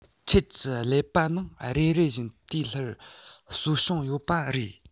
ཁྱོད ཀྱི ཀླད པ ནང རེ རེ བཞིན དེ སླར གསོ བྱུང ཡོད པ རེད